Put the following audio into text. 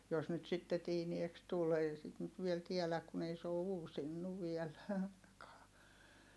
jos nyt sitten tiineeksi tuli ei sitä nyt vielä tiedä kun ei se ole uusinut vielä ainakaan